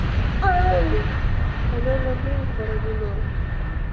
алена блин с бородиной